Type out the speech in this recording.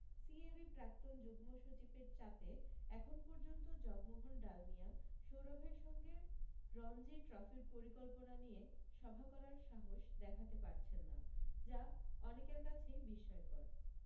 CAB প্রাক্তন যুগ্ম সচিবের চাপে এখন পর্যন্ত জগমোহন ডালমিয়া সৌরভের সঙ্গে রনজি ট্রফির পরিকল্পনা নিয়ে সভা করার সাহস দেখাতে পারছেন না যা অনেকের কাছেই বিসময়কর